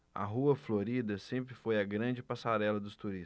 a rua florida sempre foi a grande passarela dos turistas